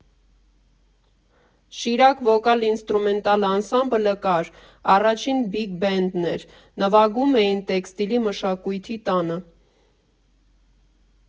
«Շիրակ» վոկալ֊ինստրումենտալ անսամբլը կար, առաջին բիգ֊բենդն էր, նվագում էին Տեքստիլի մշակույթի տանը։